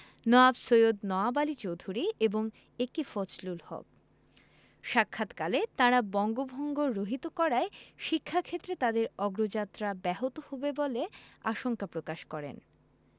নওয়াব সৈয়দ নওয়াব আলী চৌধুরী এবং এ.কে ফজলুল হক সাক্ষাৎকালে তাঁরা বঙ্গভঙ্গ রহিত করায় শিক্ষাক্ষেত্রে তাদের অগ্রযাত্রা ব্যাহত হবে বলে আশঙ্কা প্রকাশ করেন